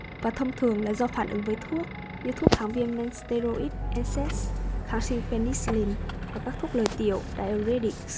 và thông thường là do phản ứng với thuốc như thuốc kháng viêm nonsteroid kháng sinh penicillin và các thuốc lợi tiểu